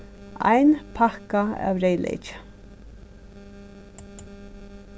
ein pakka av reyðleyki